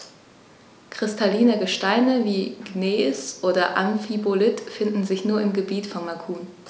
Kristalline Gesteine wie Gneis oder Amphibolit finden sich nur im Gebiet von Macun.